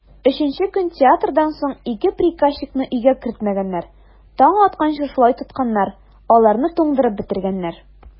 Өченче көн театрдан соң ике приказчикны өйгә кертмәгәннәр, таң атканчы шулай тотканнар, аларны туңдырып бетергәннәр.